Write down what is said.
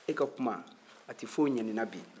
e ka kuma a tɛ foyi ɲɛ nin na bi